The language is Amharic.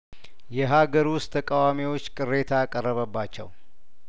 የሀገር ውስጥ ተቃዋሚዎች ቅሬታ ቀረበባቸው